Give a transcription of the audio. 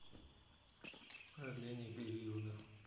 продление периода